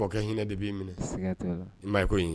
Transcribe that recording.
Kɔkɛ hinɛ de b'i minɛ, siga t'a la, i ma ko in ye.